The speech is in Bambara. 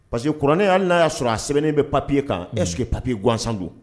Pa que kurannen hali n'a y'a sɔrɔ a sɛbɛnnen bɛ papiye kan ɛseke papiye gansandon